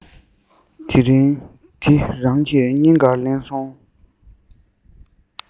དེ རང གི སྙིང གར ལྷན སོང